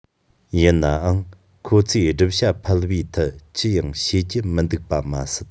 ཡིན ནའང ཁོ ཚོས སྒྲུབ བྱ ཕལ བའི ཐད ཅི ཡང ཤེས ཀྱི མི འདུག པ མ ཟད